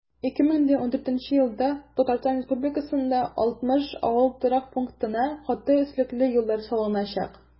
2014 елда татарстан республикасында 68 авыл торак пунктына каты өслекле юллар салыначак.